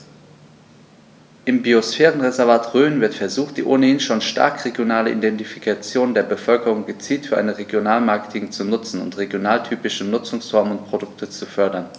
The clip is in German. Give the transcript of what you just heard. Im Biosphärenreservat Rhön wird versucht, die ohnehin schon starke regionale Identifikation der Bevölkerung gezielt für ein Regionalmarketing zu nutzen und regionaltypische Nutzungsformen und Produkte zu fördern.